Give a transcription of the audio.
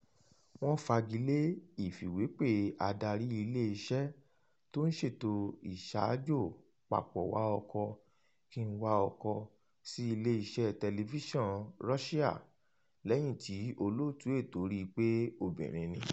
Wọ́n fagi lé ìfìwépè Adarí iléeṣẹ́ tó ń ṣètò Ìṣàjò-papọ̀-wa-ọkọ̀-kí-n-wa-ọkọ̀ sí iléeṣẹ́ tẹlifíṣàn Russia lẹ́yìn tí olóòtú ètò rí i pé obìnrin ni